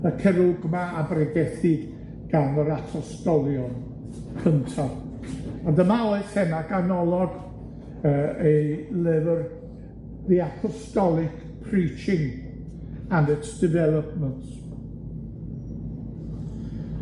y Cerwgma a bregethid gan yr apostolion cynta, ond dyma oedd thema ganolog yy ei lyfr The Apostolic Preaching and its Development.